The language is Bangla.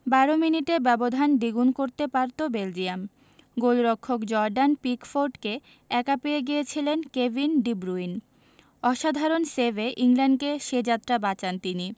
১২ মিনিটে ব্যবধান দ্বিগুণ করতে পারত বেলজিয়াম গোলরক্ষক জর্ডান পিকফোর্ডকে একা পেয়ে গিয়েছিলেন কেভিন ডি ব্রুইন অসাধারণ সেভে ইংল্যান্ডকে সে যাত্রা বাঁচান তিনি